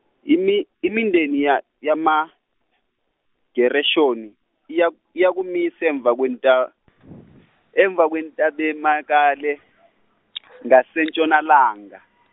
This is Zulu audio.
imi- imindeni ya yama, Gereshoni, iya iyakumisa emvakweNta, emvakweNtabemakale, ngase ntshonalanga.